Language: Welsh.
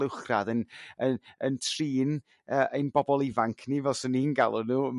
uwchradd yn yn yn trin yrr ein bobl ifanc ni fel swn ni'n galw nhw